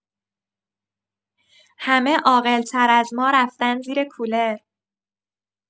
همه عاقل‌تر از ما رفتن زیر کولر.